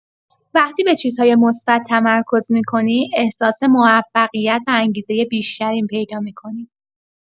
وقتی به چیزهای مثبت تمرکز می‌کنی، احساس موفقیت و انگیزه بیشتری پیدا می‌کنی.